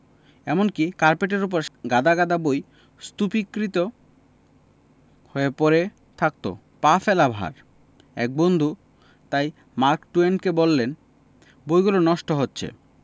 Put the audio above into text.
এমনকি কার্পেটের উপর গাদা গাদা বই স্তূপীকৃত হয়ে পড়ে থাকত পা ফেলা ভার এক বন্ধু তাই মার্ক টুয়েনকে বললেন বইগুলো নষ্ট হচ্ছে